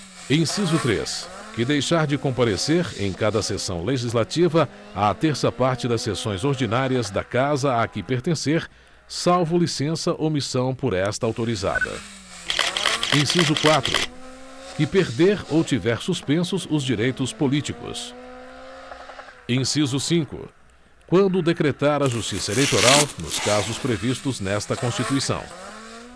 inciso três que deixar de comparecer em cada sessão legislativa à terça parte das sessões ordinárias da casa a que pertencer salvo licença ou missão por esta autorizada inciso quatro que perder ou tiver suspensos os direitos políticos inciso cinco quando o decretar a justiça eleitoral nos casos previstos nesta constituição